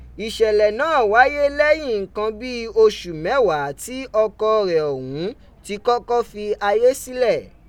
Iṣẹlẹ naa waye lẹyin nnkan bii oṣu mẹwaa ti ọkọ rẹ ọhun ti kọkọ fi aye silẹ.